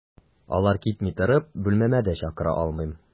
Алар китми торып, бүлмәмә дә чакыра алмыйм.